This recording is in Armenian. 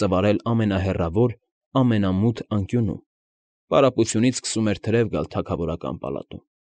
Ծվարել ամենահեռավոր, ամենամութ անկյունում, պարապությունից սկսում էր թրև գալ թագավորական պալատում։